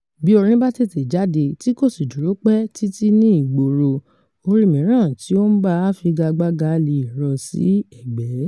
Bí orín bá tètè jáde, tí kò sí dúró pẹ́ títí ní ìgboro, orin mìíràn tí ó ń bá a figagbága lè rọ́ ọ sí ẹ̀gbẹ́.